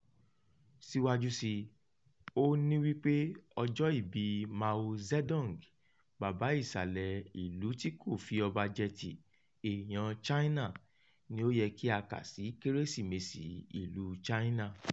Síwájú sí i, ó ní wípé ọjọ́ ìbíi Mao Zedong, bàbá ìsàlẹ̀ Ìlú-tí-kò-fi-ọba-jẹ ti Èèyàn-an China, ni ó yẹ kí a kà sí Kérésìmesì ìlú China: